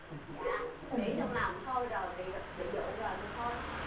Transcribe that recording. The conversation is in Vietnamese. dạ nghĩ trong lòng thôi rồi bị bị dụ rồi mà thôi